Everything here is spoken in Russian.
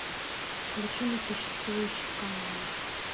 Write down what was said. включи несуществующий канал